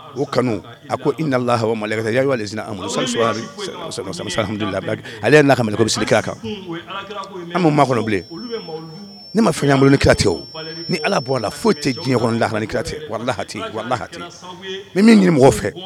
O kanu a ko i nalahamaina sa sa sahamdu la ale ye laka ko seli kan an' ma kɔnɔ bilen ne ma fɛnyakolon ni karatati o ni ala bɔra a la foyi tɛ diɲɛ la haha karatatɛ waradahati wara hati ni min mɔgɔ fɛ